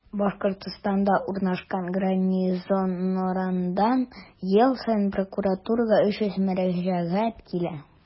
Башкортстанда урнашкан гарнизоннардан ел саен прокуратурага 300 мөрәҗәгать килә.